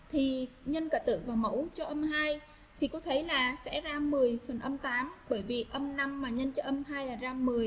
khi nhân cả tử và mẫu cho chị có thấy là sẽ ra bởi vì mà ngân cho